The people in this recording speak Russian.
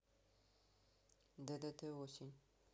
ддт осенний